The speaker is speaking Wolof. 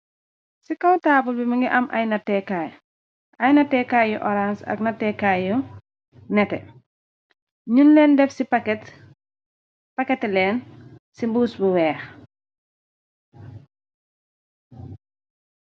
Ci kaw taabal bi mi ngi am aynateekaay ay nateekaay yu orange ak natekaay yu nete ñun leen def ci paketeleen ci mbuus bu weex.